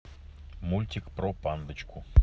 мультик про пандочку